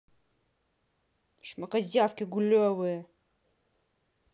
шмакозявки гулевые